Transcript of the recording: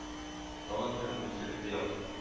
Тагын бер үзенчәлекле як: